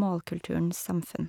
målkulturen, samfunn.